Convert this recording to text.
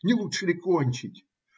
Не лучше ли кончить?